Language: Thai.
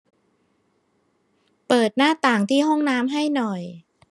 เปิดหน้าต่างที่ห้องน้ำให้หน่อย